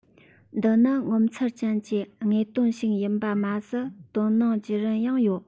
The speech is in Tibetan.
འདི ནི ངོ མཚར ཅན གྱི དངོས དོན ཞིག ཡིན པ མ ཟད དོ སྣང བགྱི རིན ཡང ཡོད